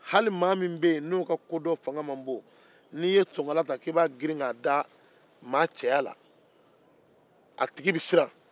hali maa min ka kodɔn fanaga man bon n'i ye sonkalan ta k'i b'a da a cɛya a bɛ siran